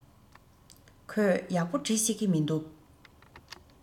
ཁོས ཡག པོ འབྲི ཤེས ཀྱི མིན འདུག